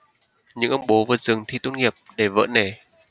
những ông bố vượt rừng thi tốt nghiệp để vợ nể